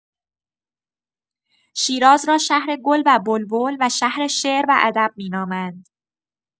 شیراز را شهر گل و بلبل و شهر شعر و ادب می‌نامند.